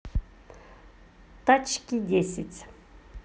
тачки десять